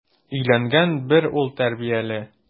Өйләнгән, бер ул тәрбияли.